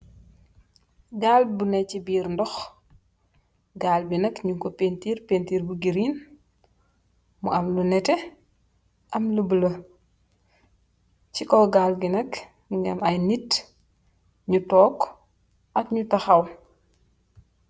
Gaaal bu neh si birr ndox gaal bi nak nyun ki painturr painturr bu green mo am lu neteh am lu bulo si kaw gaal gi nak mogi am ay nitt nyu tog ak nyu tahaw.